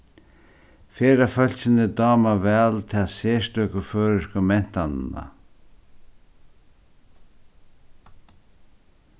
ferðafólkini dáma væl ta serstøku føroysku mentanina